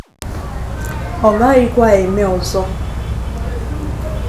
Ọ gaghịkwa eme ọzọ'